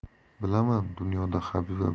bilaman dunyoda habiba